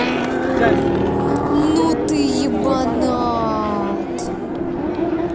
ну ты ебанат